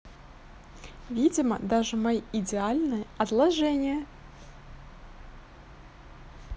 видимо даже мои идеальные отложения